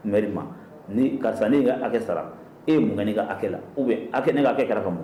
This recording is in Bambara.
Ri ni karisa ne' hakɛ hakɛ sara e ye mun''a kɛ la u bɛ kɛ ne ka'a kɛ kɛra ka ma